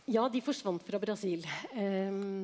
ja de forsvant fra Brasil .